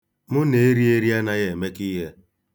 Mụ na erieri anaghị emeko ihe.